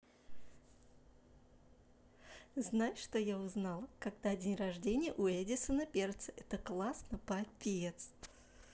знаешь что я узнала когда день рождения у эдисона перца это классно попец